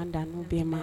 An dan bɛɛ ma